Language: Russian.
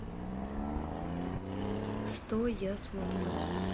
что я смотрю